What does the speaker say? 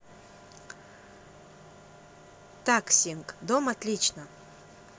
так sing дом отлично